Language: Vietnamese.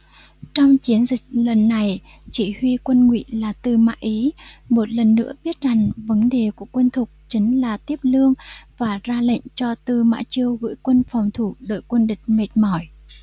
trong chiến dịch lần này chỉ huy quân ngụy là tư mã ý một lần nữa biết rằng vấn đề của quân thục chính là tiếp lương và ra lệnh cho tư mã chiêu giữ quân phòng thủ đợi quân địch mệt mỏi